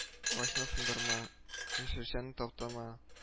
– агачны сындырма, яшелчәне таптама